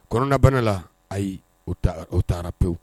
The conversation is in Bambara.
Kɔnɔnabana la ayi u taara pewu